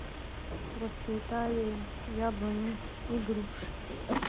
расцветали яблони и груши